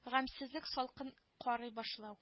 Гамьсезлек салкын карый башлау